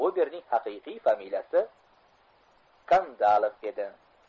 obeming haqiqiy familiyasi kandalov edi